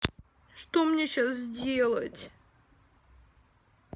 что мне щас сделать